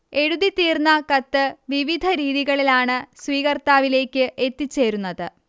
എഴുതിത്തീർന്ന കത്ത് വിവിധ രീതികളിലാണ് സ്വീകർത്താവിലേക്ക് എത്തിച്ചേരുന്നത്